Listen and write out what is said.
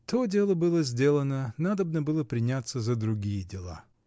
То дело было сделано; надобно было приняться за другие дела.